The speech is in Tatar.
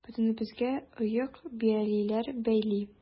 Бөтенебезгә оек-биялиләр бәйли.